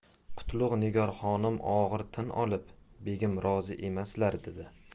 qutlug' nigor xonim og'ir tin olib begim rozi emaslar dedi